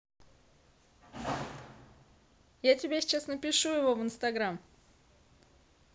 я тебя сейчас напишу его в инстаграм